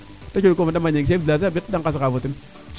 te cooxa de mbañ chef du village a bet de ngas raa foi den